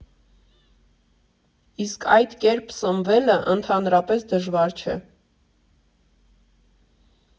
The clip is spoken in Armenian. Իսկ այդ կերպ սնվելը ընդհանրապես դժվար չէ։